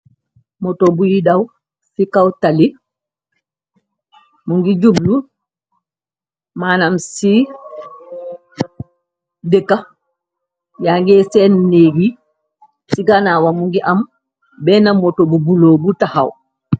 Moto buy daw ci kaw tali, mu ngi jublu, manam ci dëkka, ya nge seen négyi, ci ganawam, mu ngi am benn moto bu bulo bu taxaw.